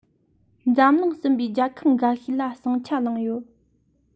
འཛམ གླིང གསུམ པའི རྒྱལ ཁབ འགའ ཤས ལ ཟིང ཆ ལངས ཡོད